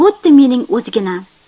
xuddi mening o'zginam